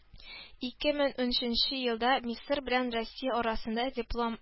Ике мең унөченче елда Мисыр белән Россия арасында диплом